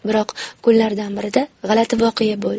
biroq kunlardan birida g'alati voqea bo'ldi